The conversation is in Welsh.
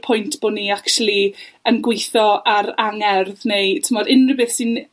pwynt bo' ni actually yn gweitho ar angerdd neu t'mod unryw beth sy'n